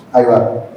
Ayiwa